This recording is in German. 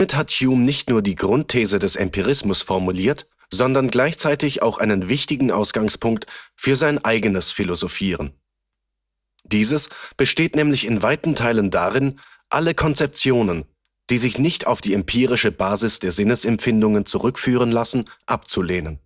hat Hume nicht nur die Grund-These des Empirismus formuliert, sondern gleichzeitig auch einen wichtigen Ausgangspunkt für sein eigenes Philosophieren: Dieses besteht nämlich in weiten Teilen darin, alle Konzeptionen, die sich nicht auf die empirische Basis der Sinnesempfindungen zurückführen lassen, abzulehnen